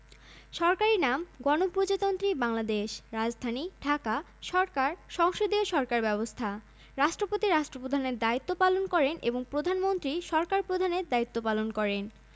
সরকারি নামঃ গণপ্রজাতন্ত্রী বাংলাদেশ রাজধানীঃ ঢাকা সরকারঃ সংসদীয় সরকার ব্যবস্থা রাষ্ট্রপতি রাষ্ট্রপ্রধানের দায়িত্ব পালন করেন এবং প্রধানমন্ত্রী সরকার প্রধানের দায়িত্ব পালন করেন